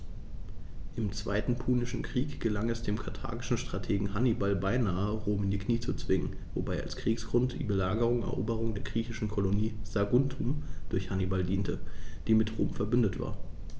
Im Zweiten Punischen Krieg gelang es dem karthagischen Strategen Hannibal beinahe, Rom in die Knie zu zwingen, wobei als Kriegsgrund die Belagerung und Eroberung der griechischen Kolonie Saguntum durch Hannibal diente, die mit Rom „verbündet“ war.